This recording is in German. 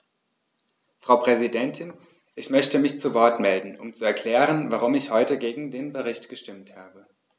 Frau Präsidentin, ich möchte mich zu Wort melden, um zu erklären, warum ich heute gegen den Bericht gestimmt habe.